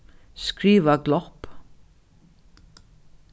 skriva glopp